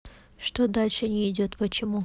что дальше не идет почему